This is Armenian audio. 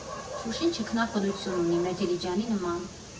Շուշին չքնաղ բնություն ունի, մեր Դիլիջանի նման…